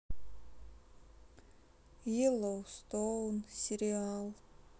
йеллоустоун сериал